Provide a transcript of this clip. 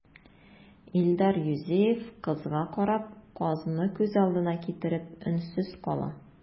Илдар Юзеев, кызга карап, казны күз алдына китереп, өнсез кала.